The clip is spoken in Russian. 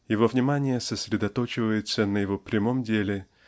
Его внимание сосредоточивается на его прямом деле